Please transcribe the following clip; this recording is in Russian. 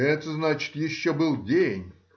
Это, значит, еще был день